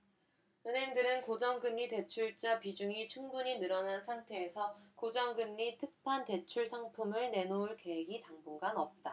은행들은 고정금리대출자 비중이 충분히 늘어난 상황에서 고정금리 특판 대출상품을 내놓을 계획이 당분간 없다